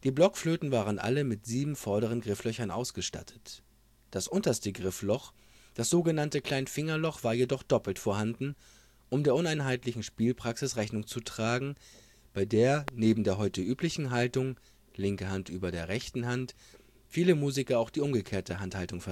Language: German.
Blockflöten waren alle mit sieben vorderen Grifflöchern ausgestattet; das unterste Griffloch, das sogenannte Kleinfingerloch, war jedoch doppelt vorhanden, um der uneinheitlichen Spielpraxis Rechnung zu tragen, bei der neben der heute üblichen Haltung - linke Hand über der rechten Hand - viele Musiker auch die umgekehrte Handhaltung